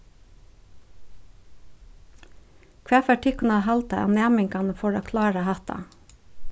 hvat fær tykkum at halda at næmingarnir fóru at klára hatta